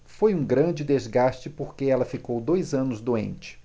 foi um grande desgaste porque ela ficou dois anos doente